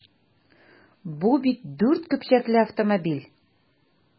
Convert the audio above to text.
Бу бит дүрт көпчәкле автомобиль!